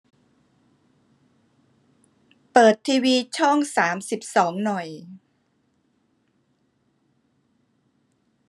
เปิดทีวีช่องสามสิบสองหน่อย